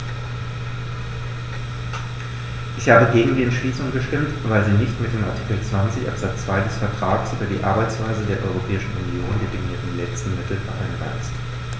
Ich habe gegen die Entschließung gestimmt, weil sie nicht mit dem in Artikel 20 Absatz 2 des Vertrags über die Arbeitsweise der Europäischen Union definierten letzten Mittel vereinbar ist.